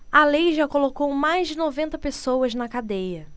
a lei já colocou mais de noventa pessoas na cadeia